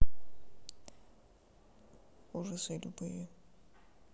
ужасы любые